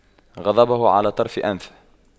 غضبه على طرف أنفه